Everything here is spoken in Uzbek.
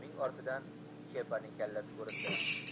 uning ortidan kepaning kallasi ko'rindi